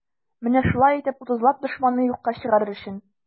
Менә шулай итеп, утызлап дошманны юкка чыгарыр өчен.